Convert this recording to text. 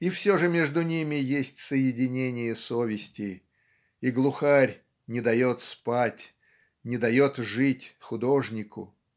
и все же между ними есть соединение совести и глухарь не дает спать не дает жить художнику.